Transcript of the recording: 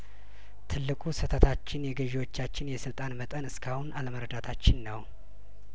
ትልቁ ስህተታችን የገዥዎቻችን የስልጣን መጠን እስካሁን አለመረዳታችን ነው